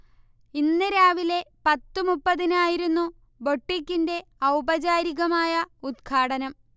ഇന്ന് രാവിലെ പത്ത് മുപ്പതിനായിരുന്നു ബൊട്ടിക്കിന്റെ ഔപചാരികമായ ഉദ്ഘാടനം